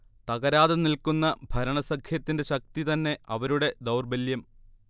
തകരാതെ നിൽക്കുന്ന ഭരണസഖ്യത്തിന്റെ ശക്തി തന്നെ അവരുടെ ദൗർബല്യം